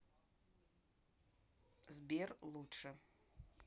сбер лучше